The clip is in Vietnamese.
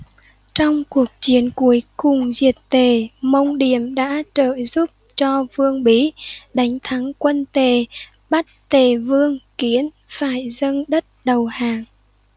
trong cuộc chiến cuối cùng diệt tề mông điềm đã trợ giúp cho vương bí đánh thắng quân tề bắt tề vương kiến phải dâng đất đầu hàng